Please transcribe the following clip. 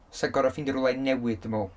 'Sa gorfod ffeindio rhywle i newid, dwi'n meddwl.